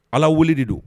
Ala wele de don.